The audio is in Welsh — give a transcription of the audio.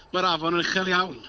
Mae'r afon yn uchel iawn.